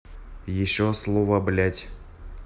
еще слово блять